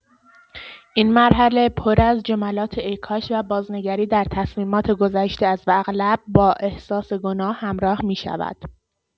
این مرحله پر از جملات «ای‌کاش» و بازنگری در تصمیمات گذشته است و اغلب با احساس گناه همراه می‌شود.